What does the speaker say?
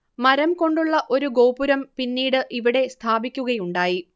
മരം കൊണ്ടുള്ള ഒരു ഗോപുരം പിന്നീട് ഇവിടെ സ്ഥാപിക്കുകയുണ്ടായി